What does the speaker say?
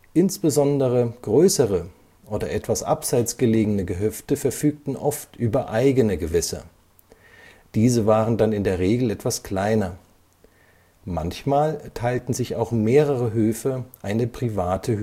Insbesondere größere oder etwas abseits gelegene Gehöfte verfügten oft über eigene Gewässer, diese waren dann in der Regel etwas kleiner. Manchmal teilten sich auch mehrere Höfe eine private